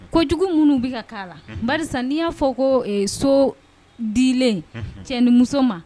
Kojugu minnu bɛ ka k'ala , unhun, barisa n'i y'a fɔ ko so dilen cɛ ni muso ma